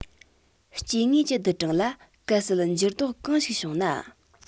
སྐྱེ དངོས ཀྱི བསྡུར གྲངས ལ གལ སྲིད འགྱུར ལྡོག གང ཞིག བྱུང ན